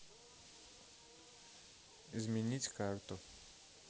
изменить карту